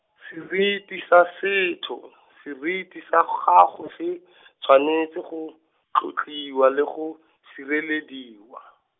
seriti sa setho, seriti sa gago se , tshwanetse go, tlotliwa le go, sirelediwa.